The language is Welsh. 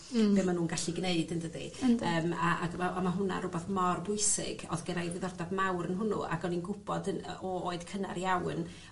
Hmm. ...be' ma' nw'n gallu gneud yndydi? Yndi. Yym a ag ma' a ma' hwnna rwbath mor bwysig o'dd gennai ddiddordab mawr yn hwnnw ac o'n i'n gwbod yn yy o oed cynnar iawn